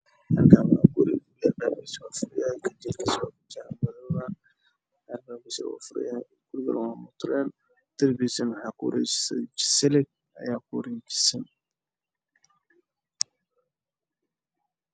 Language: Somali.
Meshan waa dhul ismiid ah waxaa ilinka xu xiran ganjeel madow ah